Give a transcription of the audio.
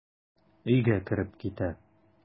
Өйгә кереп китә.